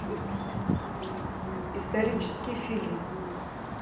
исторический фильм